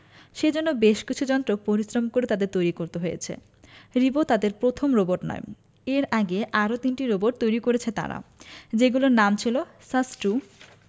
সেজন্য বেশ কিছু যন্ত্র খুব পরিশ্রম করে তাদের তৈরি করতে হয়েছে রিবো তাদের প্রথম রোবট নয় এর আগে আরও তিনটি রোবট তৈরি করেছে তারা যেগুলোর নাম ছিল সাস্ট টু